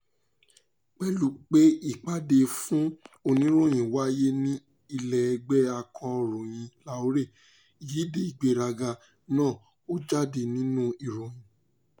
Pẹ̀lú pé ìpàdé fún oníròyìn wáyé ní Ilé Ẹgbẹ́ Akọ̀ròyìn Lahore, Ìyíde Ìgbéraga náà ó jáde nínú ìròyìn.